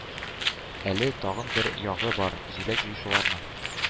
Әле тагын бер ягы бар – җиләк җыючыларның,